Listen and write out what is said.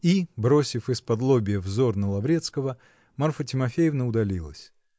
И, бросив исподлобья взор на Лаврецкого, Марфа Тимофеевна удалилась.